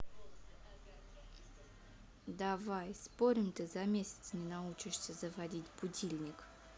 давай спорим ты за месяц не научишься заводить будильник